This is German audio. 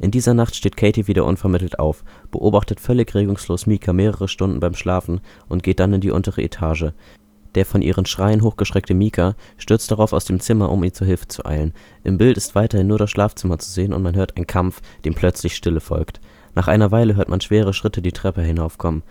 dieser Nacht steht Katie wieder unvermittelt auf, beobachtet völlig regungslos Micah mehrere Stunden beim Schlafen und geht dann in die untere Etage. Der von ihrem Schreien hochgeschreckte Micah stürzt darauf aus dem Zimmer, um ihr zu Hilfe zu eilen. Im Bild ist weiterhin nur das Schlafzimmer zu sehen und man hört einen Kampf, dem plötzliche Stille folgt. Nach einer Weile hört man schwere Schritte die Treppe hinaufkommen